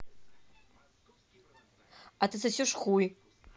а ты сосешь хуй